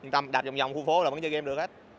yên tâm đạp vòng vòng trong khu phố vẫn chơi game được đấy